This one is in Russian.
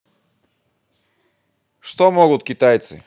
что могут китайцы